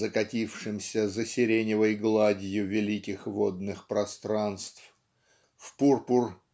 "закатившимся за сиреневой гладью великих водных пространств. в пурпур